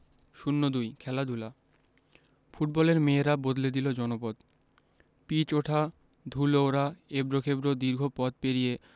০২ খেলাধুলা ফুটবলের মেয়েরা বদলে দিল জনপদ পিচ ওঠা ধুলো ওড়া এবড়োখেবড়ো দীর্ঘ পথ পেরিয়ে